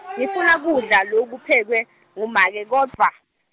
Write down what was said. ngifuna kudla lokuphekwe, ngumake kodvwa.